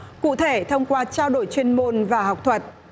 cụ thể thông qua trao đổi chuyên môn và học thuật